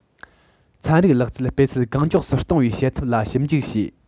ཚན རིག ལག རྩལ སྤེལ ཚད གང མགྱོགས སུ གཏོང བའི བྱེད ཐབས ལ ཞིབ འཇུག བྱས